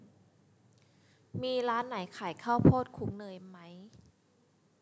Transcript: มีร้านไหนขายข้าวโพดคลุกเนยไหม